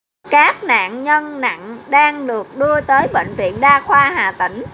các nạn nhân nặng đang được đưa tới bệnh viện đa khoa hà tĩnh